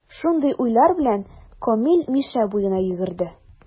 Шундый уйлар белән, Камил Мишә буена йөгерде.